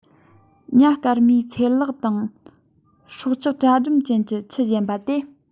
ཉ སྐར མའི ཚེར ལག དང སྲོག ཆགས གྲ འབྲུམ ཅན གྱི ཁྱུ གཞན པ སྟེ